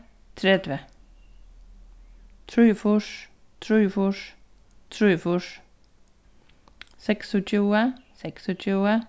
tretivu trýogfýrs trýogfýrs trýogfýrs seksogtjúgu seksogtjúgu